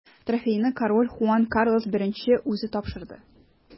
Трофейны король Хуан Карлос I үзе тапшырды.